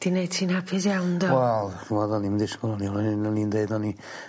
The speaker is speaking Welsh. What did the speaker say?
'Di neud ti'n hapus iawn 'de. Wel ch'mod o'n i 'im yn disgwl o'n i o hyn o'n i'n deud o'n i